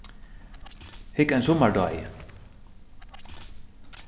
hygg ein summardái